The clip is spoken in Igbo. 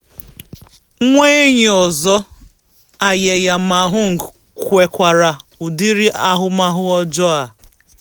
Nwa enyi ọzọ, Ayeyar Maung, nwekwara udiri ahụmahụ ọjọọ a.